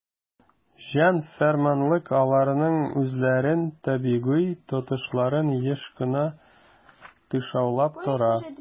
"җан-фәрманлык" аларның үзләрен табигый тотышларын еш кына тышаулап тора.